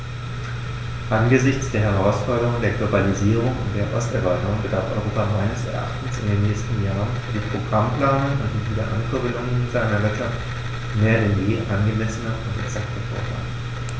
Angesichts der Herausforderung der Globalisierung und der Osterweiterung bedarf Europa meines Erachtens in den nächsten Jahren für die Programmplanung und die Wiederankurbelung seiner Wirtschaft mehr denn je angemessener und exakter Vorgaben.